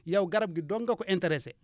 yow garab gi dong nga ko intéresser